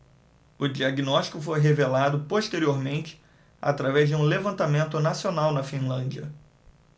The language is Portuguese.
o diagnóstico foi revelado posteriormente através de um levantamento nacional na finlândia